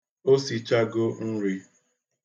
O sichago nri.